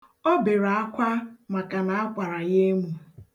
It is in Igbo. O bere akwa maka na akwara ya emu.